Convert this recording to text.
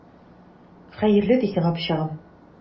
Хәерле ди сиңа, пычагым!